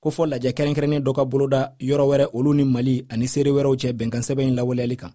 ko fɔ lajɛ kɛrɛnkɛrɛnnen dɔ ka boloda yɔrɔ wɛrɛ olu ni mali ani seere wɛrɛw cɛ bɛnkansɛbɛn in lawaleyali kan